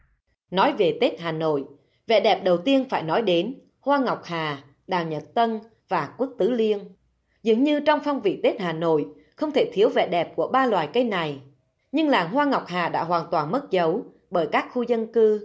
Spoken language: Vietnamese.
nói về tết hà nội vẻ đẹp đầu tiên phải nói đến hoa ngọc hà đào nhật tân và quất tứ liên dường như trong phong vị tết hà nội không thể thiếu vẻ đẹp của ba loài cây này nhưng làng hoa ngọc hà đã hoàn toàn mất dấu bởi các khu dân cư